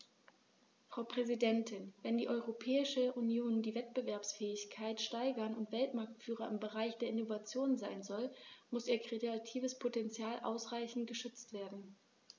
Frau Präsidentin, wenn die Europäische Union die Wettbewerbsfähigkeit steigern und Weltmarktführer im Bereich der Innovation sein soll, muss ihr kreatives Potential ausreichend geschützt werden.